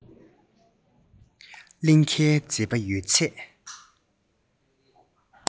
གླིང གའི མཛེས པ ཡོད ཚད